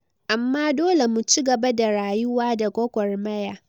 Amma dole mu cigaba da rayuwa da gwagwarmaya.”